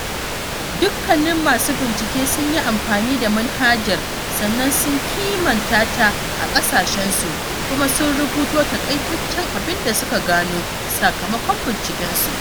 Dukkanin masu bincike sun yi amfani da manhajar, sannan sun kimanta ta a ƙasashensu kuma sun rubuto taƙaitaccen abinda suka gano sakamakon bincikensu.